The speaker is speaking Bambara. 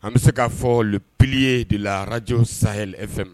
An bɛ se k'a fɔ pliye de larajw say fɛ